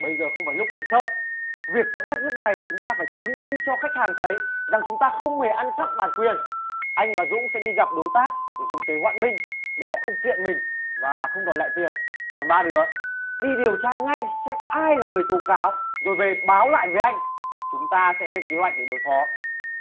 bây giờ không phải lúc để sợ việc cấp bách lúc này là chúng ta phải chứng minh cho khách hàng thấy rằng chúng ta không hề ăn cắp bản quyền anh và dũng sẽ đi gặp đối tác để dùng kế hoãn binh để họ không kiện mình và không đòi lại tiền còn ba đứa đi điều tra ngay xem ai là người tố cáo rồi về báo lại với anh chúng ta sẽ lên kế hoạch để đối phó